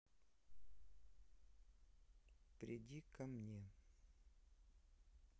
приди ко мне